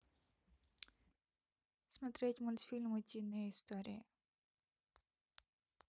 смотреть мультфильм утиные истории